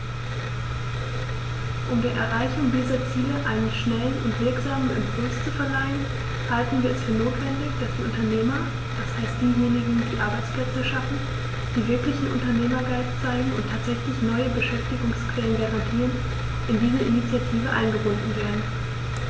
Um der Erreichung dieser Ziele einen schnellen und wirksamen Impuls zu verleihen, halten wir es für notwendig, dass die Unternehmer, das heißt diejenigen, die Arbeitsplätze schaffen, die wirklichen Unternehmergeist zeigen und tatsächlich neue Beschäftigungsquellen garantieren, in diese Initiative eingebunden werden.